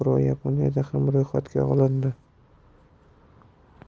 va yaponiyada ham ro'yxatga olindi